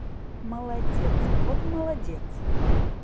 молодец вот молодец